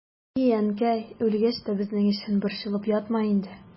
И әнкәй, үлгәч тә безнең өчен борчылып ятма инде.